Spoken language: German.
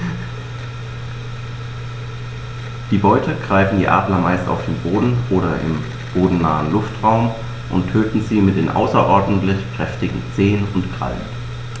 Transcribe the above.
Die Beute greifen die Adler meist auf dem Boden oder im bodennahen Luftraum und töten sie mit den außerordentlich kräftigen Zehen und Krallen.